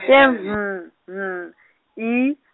ke M M, E.